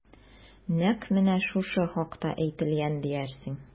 Нәкъ менә шушы хакта әйтелгән диярсең...